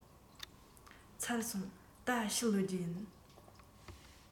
ཚར སོང ད ཕྱིར ལོག རྒྱུ ཡིན